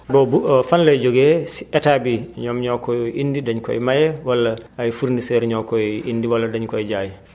boobu fan lay jógee si état bi ñoom ñoo koy indi dañu koy maye wala ay fournisseurs ñoo koy indi wala dañu koy jaay